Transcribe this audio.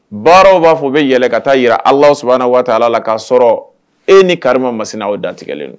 Baaraw b'a fɔ bɛ yɛlɛ ka taa jira ala sabanan waati ala la k'a sɔrɔ e ni kari masina o dantigɛlen